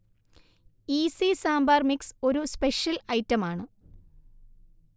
easy sambar mix ഒരു special ഐറ്റമാണ്